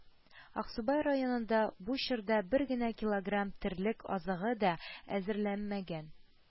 Аксубай районында бу чорда бер генә килограмм терлек азыгы да әзерләнмәгән